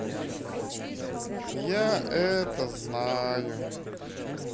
я это знаю